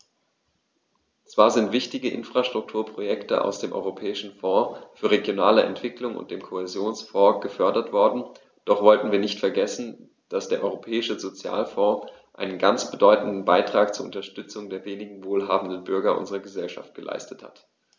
Zwar sind wichtige Infrastrukturprojekte aus dem Europäischen Fonds für regionale Entwicklung und dem Kohäsionsfonds gefördert worden, doch sollten wir nicht vergessen, dass der Europäische Sozialfonds einen ganz bedeutenden Beitrag zur Unterstützung der weniger wohlhabenden Bürger unserer Gesellschaft geleistet hat.